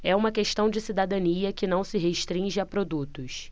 é uma questão de cidadania que não se restringe a produtos